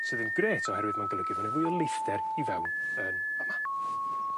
Sydd yn grêt oherwydd ma'n golygu fo' 'ne fwy o leithder i fewn yn fa' 'ma.